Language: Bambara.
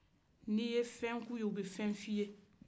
ni ye fen ku ye u bɛ fen fi ye